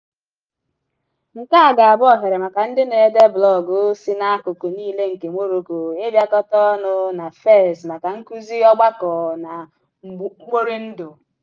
Nke a ga-abụ ohere maka ndị na-ede blọọgụ si n'akụkụ niile nke Morocco ịbịakọta ọnụ na Fez maka nkụzi, ogbakọ, na mgborindụ.